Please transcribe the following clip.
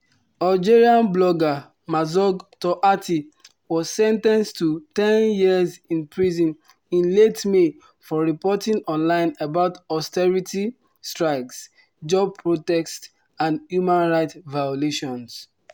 Algerian blogger Merzoug Touati was sentenced to ten years in prison in late May for reporting online about austerity strikes, job protests, and human rights violations.